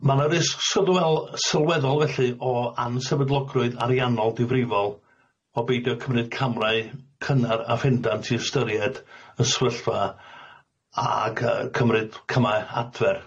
Ma' na risks d'mel sylweddol felly o ansefydlogrwydd ariannol difrifol o beidio cymryd camrau cynnar a phendant i ystyried y sefyllfa ag yyy cymryd cymau adfer.